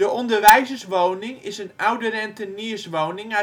onderwijzerswoning is een oude rentenierswoning